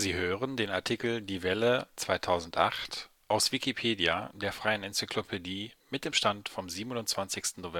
hören den Artikel Die Welle (2008), aus Wikipedia, der freien Enzyklopädie. Mit dem Stand vom Der